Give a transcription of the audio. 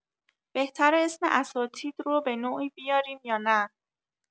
بهتره اسم اساتید رو به‌نوعی بیاریم یا نه؟